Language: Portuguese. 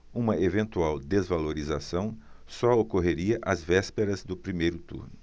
uma eventual desvalorização só ocorreria às vésperas do primeiro turno